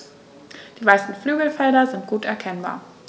Die weißen Flügelfelder sind gut erkennbar.